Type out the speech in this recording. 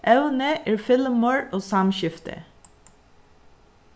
evnið er filmur og samskifti